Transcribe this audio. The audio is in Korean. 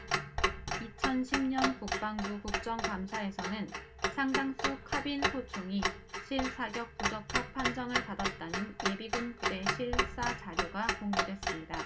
이천 십 년 국방부 국정감사에서는 상당수 카빈 소총이 실사격 부적합 판정을 받았다는 예비군 부대 실사 자료가 공개됐습니다